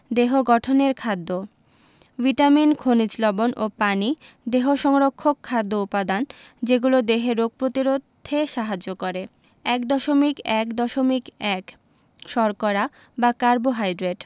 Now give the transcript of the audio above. দেহ গঠনের খাদ্য ভিটামিন খনিজ লবন ও পানি দেহ সংরক্ষক খাদ্য উপাদান যেগুলো দেহের রোগ প্রতিরোধে সাহায্য করে ১.১.১ শর্করা বা কার্বোহাইড্রেট